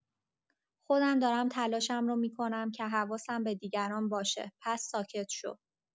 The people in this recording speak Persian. خودم دارم تلاشم رو می‌کنم که حواسم به دیگران باشه، پس ساکت شو!